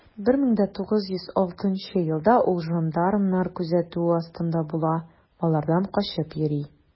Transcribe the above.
1906 елда ул жандармнар күзәтүе астында була, алардан качып йөри.